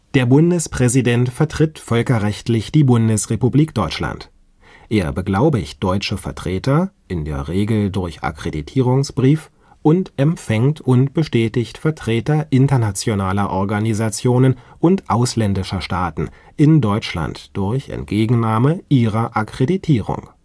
Der Bundespräsident vertritt völkerrechtlich die Bundesrepublik Deutschland. Er beglaubigt deutsche Vertreter (in der Regel durch Akkreditierungsbrief) und empfängt und bestätigt Vertreter Internationaler Organisationen und ausländischer Staaten in Deutschland durch Entgegennahme ihrer Akkreditierung